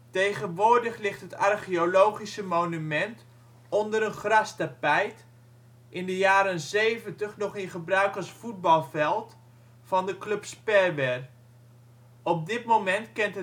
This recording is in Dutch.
Tegenwoordig ligt het archeologische monument onder een grastapijt, in de jaren ' 70 nog in gebruik als voetbalveld van de club Sperwer. Op dit moment kent